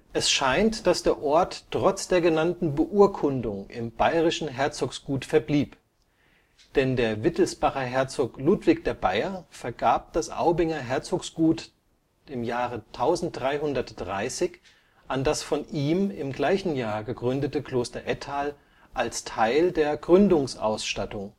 Es scheint, dass der Ort trotz der genannten Beurkundung im bayerischen Herzogsgut verblieb, denn der Wittelsbacher Herzog Ludwig der Bayer vergab das Aubinger Herzogsgut 1330 an das von ihm im gleichen Jahr gegründete Kloster Ettal als Teil der Gründungsausstattung